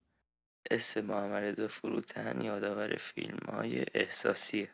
اسم محمدرضا فروتن یادآور فیلمای احساسیه.